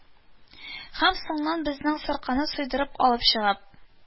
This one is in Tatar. Һәм соңыннан безнең сарыкны суйдырып алып чыгып